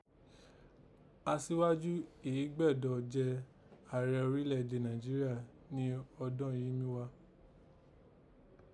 Asíwájú èé gbẹ́ẹ̀dọ̀ jẹ ààrẹ orílẹ̀ èdè Nàìjíríà ni ọdọ́n yìí mí gha